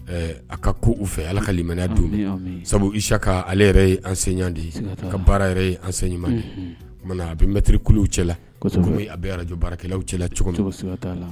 Ɛɛ a ka ko u fɛ Ala ka limaniya d'u ma amii amii sabuu Isiaka ale yɛrɛ ye enseignant de ye siga taa la a ka baara yɛrɛ ye enseignement de ye unhun tuma na a bɛ maitre kuluw cɛ kosɛbɛ comme a bɛ radio baarakɛlaw cɛla cogo min sigat'a la